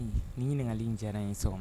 N ye nagali diyara in sɔrɔ sɔgɔma